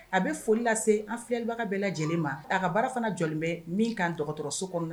A be foli lase an filɛlibaga bɛɛ lajɛlen ma a ka baara fɛnɛ jɔlen bɛ min kan docteur so kɔnɔna na